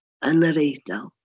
Yn yr Eidal.